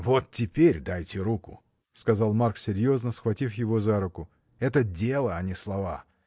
— Вот теперь дайте руку, — сказал Марк серьезно, схватив его за руку, — это дело, а не слова!